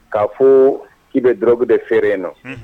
K'a fɔ i bɛ dubu de fɛrɛɛrɛ ye nɔ